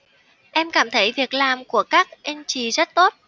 em cảm thấy việc làm của các anh chị rất tốt